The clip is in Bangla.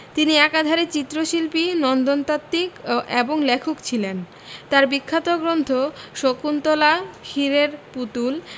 তিনি একাধারে চিত্রশিল্পী নন্দনতাত্ত্বিক এবং লেখক ছিলেন তার বিখ্যাত গ্রন্থ শকুন্তলা ক্ষীরের পুতুল